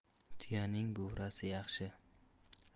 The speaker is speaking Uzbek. tuyaning buvrasi yaxshi